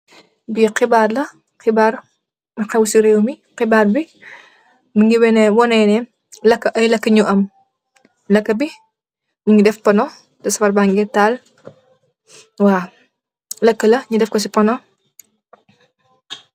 Bii khibarr la, khibarr lu hew cii rewmi, khibarr bii mungy wehneh wohneh neh lakue aiiy lakue njur am, lakue bi njungy def pohnoh, teh safara bangeh taal waw, lakue la nju def kor cii pohnoh.